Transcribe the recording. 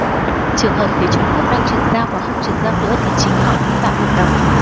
trường hợp phía trung quốc đang chuyển giao mà không chuyển giao nữa thì chính họ vi phạm hợp đồng